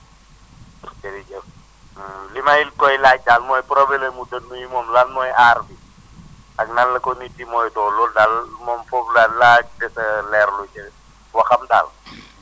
jërëjëf li ma koy laaj daal mooy problème mu dënnu yi moom lan mooy aar bi ak nan la ko nit di moytoo loolu daal moom foofu daal laa des a leerlu ci waxam daal